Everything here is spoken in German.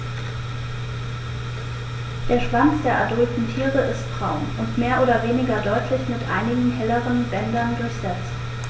Der Schwanz der adulten Tiere ist braun und mehr oder weniger deutlich mit einigen helleren Bändern durchsetzt.